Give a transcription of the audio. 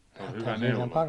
se oli hyvä neuloa